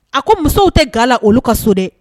A ko musow tɛ ga la olu ka so dɛ